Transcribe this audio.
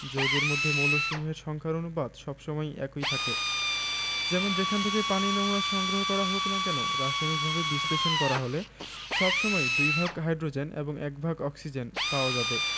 যৌগের মধ্যে মৌলসমূহের সংখ্যার অনুপাত সব সময় একই থাকে যেমন যেখান থেকেই পানির নমুনা সংগ্রহ করা হোক না কেন রাসায়নিকভাবে বিশ্লেষণ করা হলে সব সময় দুই ভাগ হাইড্রোজেন এবং এক ভাগ অক্সিজেন পাওয়া যাবে